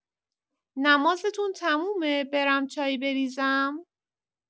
نمازتون تمومه برم چایی بریزم؟